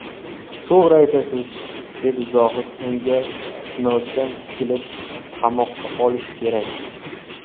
to'g'ri aytasiz dedi zohid unga sinovchan tikilib qamoqqa olish kerak